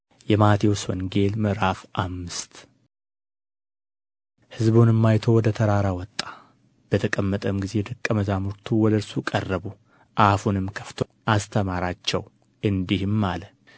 ﻿የማቴዎስ ወንጌል ምዕራፍ አምስት ሕዝቡንም አይቶ ወደ ተራራ ወጣ በተቀመጠም ጊዜ ደቀ መዛሙርቱ ወደ እርሱ ቀረቡ አፉንም ከፍቶ አስተማራቸው እንዲህም አለ